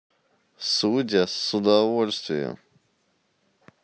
судя с удовольствием